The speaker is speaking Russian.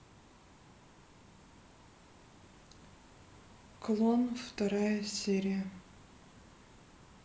клон вторая серия